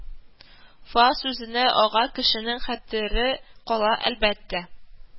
Фа сүзенә ага кешенең хәтере кала, әлбәттә